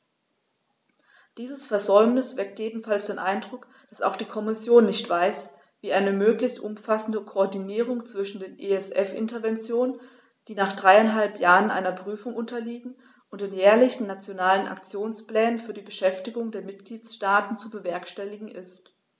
Dieses Versäumnis weckt jedenfalls den Eindruck, dass auch die Kommission nicht weiß, wie eine möglichst umfassende Koordinierung zwischen den ESF-Interventionen, die nach dreieinhalb Jahren einer Prüfung unterliegen, und den jährlichen Nationalen Aktionsplänen für die Beschäftigung der Mitgliedstaaten zu bewerkstelligen ist.